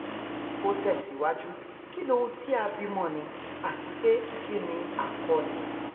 Ó tẹ̀síwájú: Kínni ohun tí a bímọ́ni àtipé kínni a kọ́ni?